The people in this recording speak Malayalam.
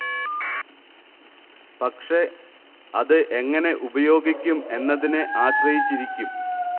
പക്ഷെ അത് എങ്ങനെ ഉപയോഗിക്കും എന്നതിനെ ആശ്രയ്ചിരിക്കും